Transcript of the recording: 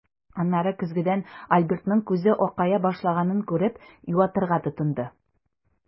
Аннары көзгедән Альбертның күзе акая башлаганын күреп, юатырга тотынды.